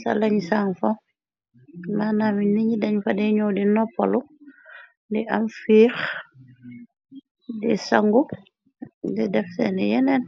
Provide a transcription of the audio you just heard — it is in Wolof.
salañ sanfo manaam yu niñi dañ fadiñoo di noppalu di am fix di sangu di def seeni yeneen.